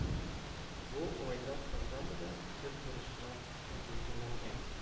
Бу уңайдан программада төп бурычлар билгеләнгән